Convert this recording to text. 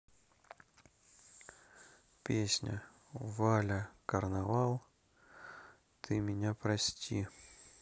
песня валя карнавал ты меня прости